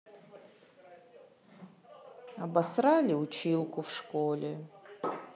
обосрали училку в школе